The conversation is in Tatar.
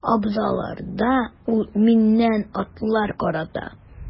Абзарларда ул миннән атлар карата.